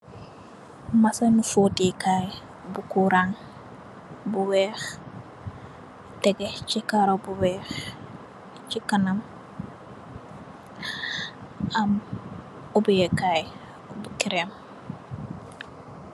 Machine fotèkaay bu kuran, bu weeh, tégé chi karo bi weeh. Chi kanam am ubèkaay bu kirèm.